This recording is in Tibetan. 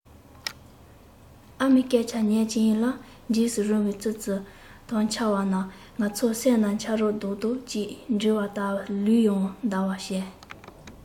ཨ མའི སྐད ཆར ཉན གྱིན ཡིད ལ འཇིགས སུ རུང བའི ཙི ཙི དག འཆར བ ན ང ཚོའི སེམས ན ཆབ རོམ རྡོག རྡོག གཅིག འགྲིལ བ ལྟར ལུས ཡོངས འདར བར བྱས